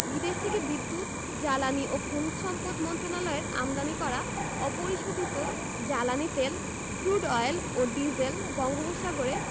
বিদেশ থেকে বিদ্যুৎ জ্বালানি ও খনিজ সম্পদ মন্ত্রণালয়ের আমদানি করা অপরিশোধিত জ্বালানি তেল ক্রুড অয়েল ও ডিজেল বঙ্গোপসাগরে